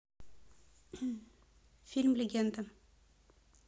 фильм легенда